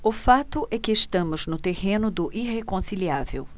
o fato é que estamos no terreno do irreconciliável